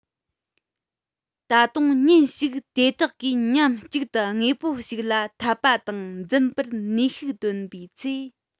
ད དུང ཉིན ཞིག དེ དག གིས མཉམ གཅིག ཏུ དངོས པོ ཞིག ལ འཐམ པ དང འཛིན པར ནུས ཤུགས བཏོན པའི ཚེ